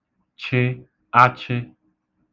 chị achị